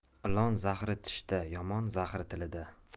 ilon zahri tishida yomon zahri tilida